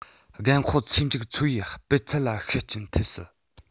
རྒན འཁོགས ཚེ མཇུག འཚོ བའི སྤུས ཚད ལ ཤུགས རྐྱེན ཐེབས སྲིད